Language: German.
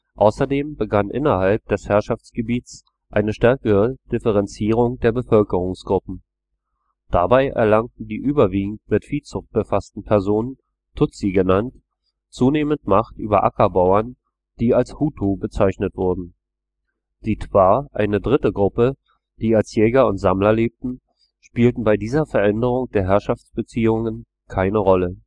Außerdem begann innerhalb des Herrschaftsgebiets eine stärkere Differenzierung der Bevölkerungsgruppen. Dabei erlangten die überwiegend mit Viehzucht befassten Personen, „ Tutsi “genannt, zunehmend Macht über Ackerbauern, die als „ Hutu “bezeichnet wurden. Die Twa, eine dritte Gruppe, die als Jäger und Sammler lebten, spielten bei dieser Veränderung der Herrschaftsbeziehungen keine Rolle